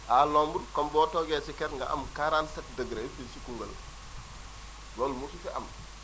à l' ombre comme boo toogee si ker nga am 47 degré fii si Koungheul loolu mosu fi am